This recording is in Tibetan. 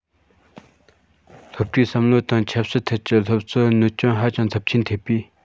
སློབ གྲྭའི བསམ བློ དང ཆབ སྲིད ཐད ཀྱི སློབ གསོར གནོད སྐྱོན ཧ ཅང ཚབས ཆེན ཐེབས